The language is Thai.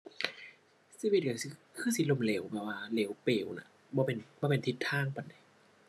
ชีวิตก็สิคือสิล้มเหลว เพราะว่าเหลวเป๋วน่ะ บ่เป็น บ่เป็นทิศทางปานใด